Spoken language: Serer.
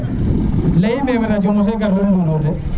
leyime o rajo mose gar lul ndundur de